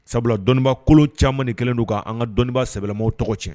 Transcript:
Sabula dɔnniiba kolon camanmani ni kɛlen don kaan ka dɔnnii sɛɛlɛ maaw tɔgɔ cɛ